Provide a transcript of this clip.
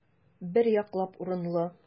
Бер яклап урынлы.